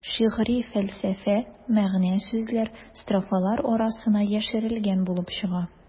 Шигъри фәлсәфә, мәгънә-сүзләр строфалар арасына яшерелгән булып чыга.